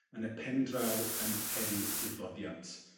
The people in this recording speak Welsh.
yn y pendraw yn peri difoddiant.